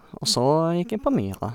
Og så gikk jeg på Myra.